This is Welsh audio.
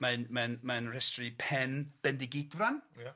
...mae'n mae'n mae'n rhestru pen Bendigeidfran. Ia.